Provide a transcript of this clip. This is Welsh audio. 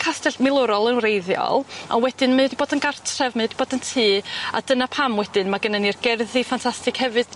Castell milwrol yn wreiddiol a wedyn mae o 'di bod yn gartref mae o 'di bod yn tŷ a dyna pam wedyn ma' gennyn ni'r gerddi ffantastig hefyd.